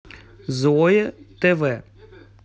злое тв